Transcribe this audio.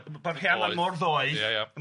a bod ma' Rhiannon mor ddoeth...Ia ia